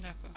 d' accord